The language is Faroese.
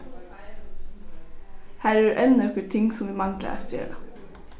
har eru enn nøkur ting sum vit mangla at gera